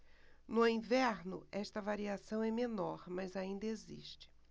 no inverno esta variação é menor mas ainda existe